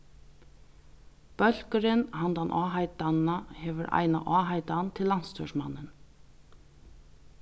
bólkurin handan áheitanina hevur eina áheitan til landsstýrismannin